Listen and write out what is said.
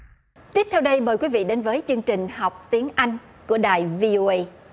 tiếp theo đây mời quý vị đến với chương trình học tiếng anh của đài vi ô ây